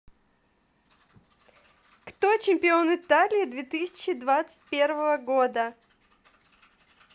кто чемпион италии две тысячи двадцать первого года